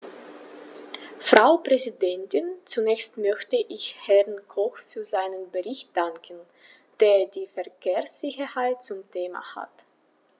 Frau Präsidentin, zunächst möchte ich Herrn Koch für seinen Bericht danken, der die Verkehrssicherheit zum Thema hat.